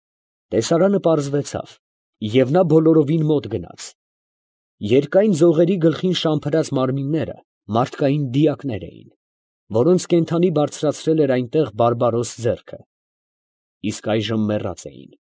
Տեսարանը պարզվեցավ, երբ նա բոլորովին մոտ գնաց. երկայն ձողերի գլխին շամփրած մարմինները մարդկային դիակներ էին, որոնց կենդանի բարձրացրել էր այնտեղ բարբարոս ձեռքը, իսկ այժմ մեռած էին։